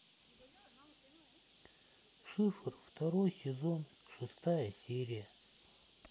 шифр второй сезон шестая серия